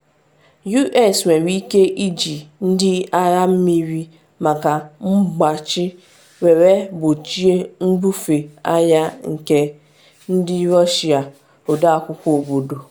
US nwere ike iji Ndị Agha Mmiri maka “mgbachi” were gbochie nbufe ahịa Ike ndị Russia- Ọde Akwụkwọ Obodo